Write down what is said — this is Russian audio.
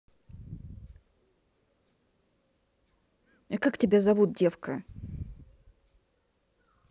а как тебя зовут девка